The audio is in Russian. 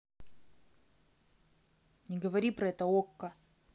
не говори про это okko